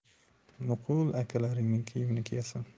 nuqul akalaringning kiyimini kiyasan